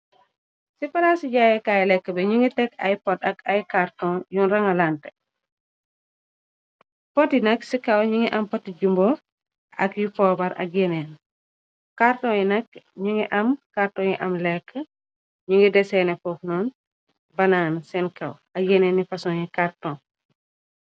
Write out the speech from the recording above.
Si palaasi jaayekaay lekk bi ñu ngi tekk ay pot ak ay karton yu rangalante, pot yi nak ci kaw ñu ngi am poti jumboor ak yu poobar ak yeneen, karton yi nakk ñu ngi am karton yi am lekk, ñu ngi deseené fofnoon banaan seen kaw ak yeneen ni fason yi karton.